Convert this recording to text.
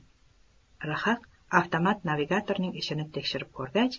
rhaq avtomat navigatorning ishini tekshirib ko'rgach